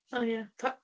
O, ie, pa..?